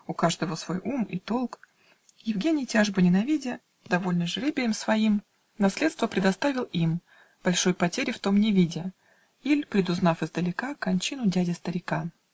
У каждого свой ум и толк: Евгений, тяжбы ненавидя, Довольный жребием своим, Наследство предоставил им, Большой потери в том не видя Иль предузнав издалека Кончину дяди старика.